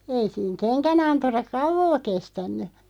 ei siinä kengänanturat kauaa kestänyt